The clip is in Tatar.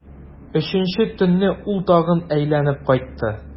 Өченче төнне ул тагын әйләнеп кайтты.